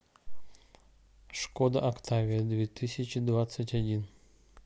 шкода октавия две тысячи двадцать один